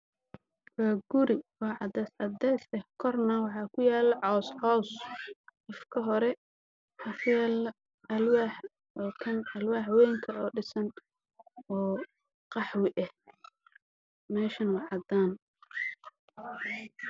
Waa guri waa guri cadcaddeys ah kor waxaa ka saaran caws waxaana ka dhex taagan tiir weyn oo qaxoo ah meeshana waa cadaab